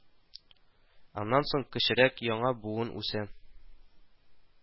Аннан соң кечерәк яңа буын үсә